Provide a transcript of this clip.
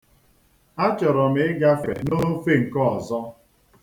Achọrọ m ịgafe n'ofe nke ọzọ.